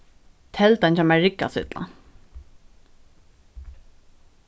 teldan hjá mær riggar so illa